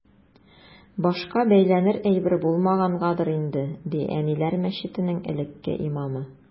Башка бәйләнер әйбер булмагангадыр инде, ди “Әниләр” мәчетенең элекке имамы.